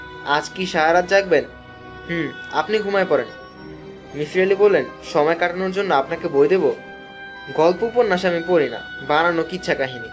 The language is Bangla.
আজ কি সারা রাত জাগবেন হু আপনি ঘুমিয়ে পড়েন মিসির আলি বললেন সময় কাটানোর জন্য আপনাকে বই দেব গল্প উপন্যাস আমি পড়িনা বানানো কিচ্ছা কাহিনী